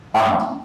A